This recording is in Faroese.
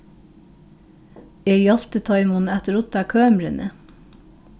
eg hjálpti teimum at rudda kømrini